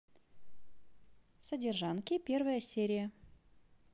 содержанки первая серия